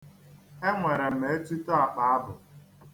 Enwere m etuto akpaabụ.